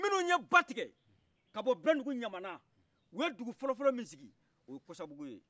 minun ye batikɛ ka bɔbɛndugu ɲamana uye dugu fɔlɔfɔlɔ min sigi oye kɔsabugu